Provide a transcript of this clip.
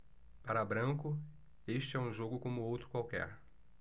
para branco este é um jogo como outro qualquer